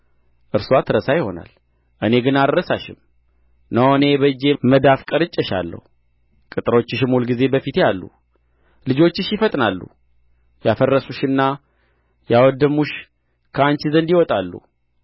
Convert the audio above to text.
እርስዋ ትረሳ ይሆናል እኔ ግን አልረሳሽም እነሆ እኔ በእጄ መጻፍ ቀርጬሻለሁ ቅጥሮችሽም ሁልጊዜ በፊቴ አሉ ልጆችሽ ይፈጥናሉ ያፈረሱሽና ያወደሙሽ ከአንቺ ዘንድ ይወጣሉ